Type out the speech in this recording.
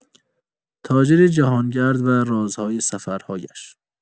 تاجر جهانگرد و رازهای سفرهایش